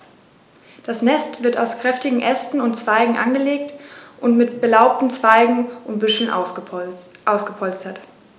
Das Nest wird aus kräftigen Ästen und Zweigen angelegt und mit belaubten Zweigen und Büscheln ausgepolstert.